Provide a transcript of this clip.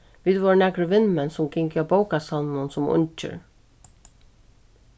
vit vóru nakrir vinmenn sum gingu á bókasavninum sum ungir